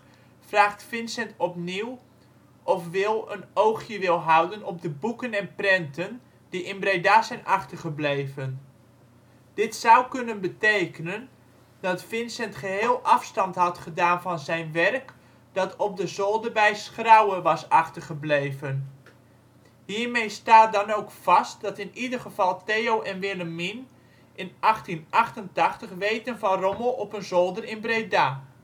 vraagt Vincent opnieuw of Wil een oogje wil houden op de boeken en prenten die in Breda zijn achtergebleven. Dit zou kunnen betekenen dat Vincent geheel afstand had gedaan van zijn werk dat op de zolder bij Schrauer was achtergebleven. Hiermee staat dan ook vast dat in ieder geval Theo en Willemien in 1888 weten van rommel op een zolder in Breda